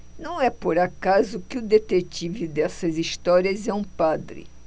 não é por acaso que o detetive dessas histórias é um padre